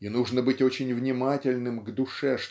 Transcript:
И нужно быть очень внимательным к душе